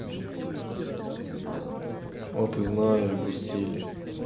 а ты знаешь грустили